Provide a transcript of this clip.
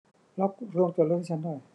ล็อกโรงจอดรถให้ฉันหน่อย